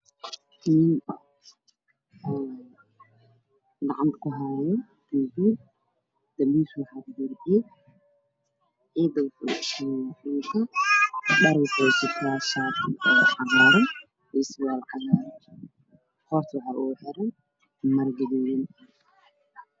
Ninba gacanta xoghaya geed timaha xaga jiro qashin muxuu qabaa dharcadaro iyo taasi